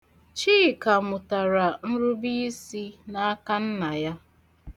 Chika mụtara nrubiisi n'aka nna ya.